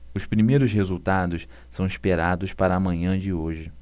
os primeiros resultados são esperados para a manhã de hoje